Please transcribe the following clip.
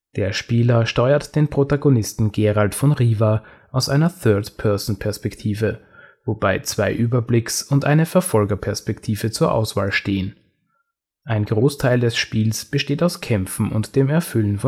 Der Spieler steuert den Protagonisten Geralt von Riva aus einer Third-Person-Perspektive, wobei zwei Überblicks - und eine Verfolgerperspektive zur Auswahl stehen. Ein Großteil des Spiels besteht aus Kämpfen und dem Erfüllen